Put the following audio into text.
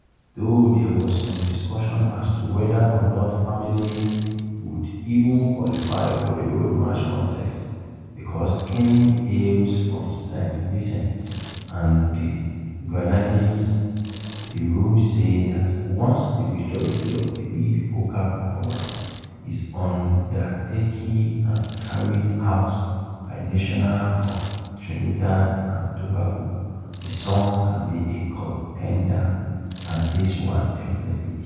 Though there was some discussion as to whether or not "Famalay" would even qualify for the Road March contest because Skinny hails from St. Vincent and the Grenadines, the rules say that once "the majority of the lead vocal performance" is "undertaken and carried out by nationals of Trinidad and Tobago", the song can be a contender — and this one definitely is.